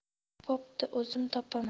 bo'pti o'zim topaman